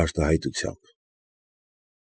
Արտահայտությամբ։